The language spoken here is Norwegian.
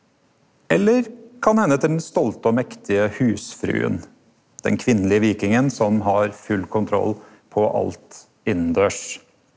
eller kan hende til den stolte og mektige husfrua, den kvinnelege vikingen som har full kontroll på alt innandørs.